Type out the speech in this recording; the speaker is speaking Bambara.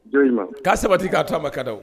Jɔn'a sabati k'a taamama kada